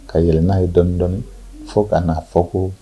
Ka yɛlɛ n'a ye dɔɔnindɔ fo ka'a fɔ ko